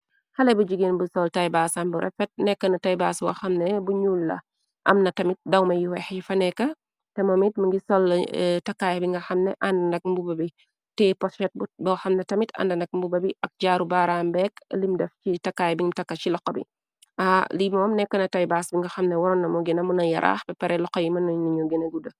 Xale bi jigeen bu soll taybaasan bu refet nekk na taybaas wa xamne bu ñul la am na tamit dawmay yi wex yi fa nekka te momit mi ngi sol takaay bi nga xamne ànd nak mbuba bi tee posfetbu ba xamne tamit ànd nak mbuba bi ak jaaru baaraam bekk lim def ci takaay biñ taka ci loqa bi li moom nekk na taybaas bi nga xamne woro namu gina muna yaraax ba pare loxo yi mënañ nañu gina gudda.